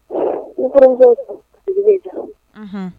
Ko